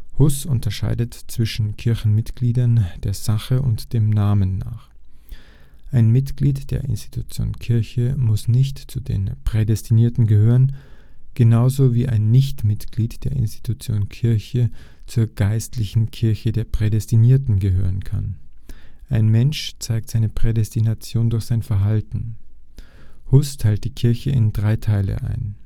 Hus unterscheidet zwischen Kirchenmitgliedern der Sache und dem Namen nach. Ein Mitglied der Institution Kirche muss nicht zu den Prädestinierten gehören, genauso wie ein Nichtmitglied der Institution Kirche zur geistlichen Kirche der Prädestinierten gehören kann. Ein Mensch zeigt seine Prädestination durch sein Verhalten. Hus teilt die Kirche in drei Teile ein